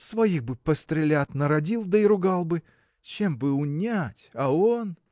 – Своих бы пострелят народил, да и ругал бы! Чем бы унять, а он.